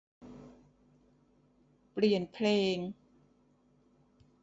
เปลี่ยนเพลง